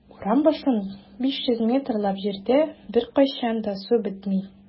Урам башланып 500 метрлап җирдә беркайчан да су бетми.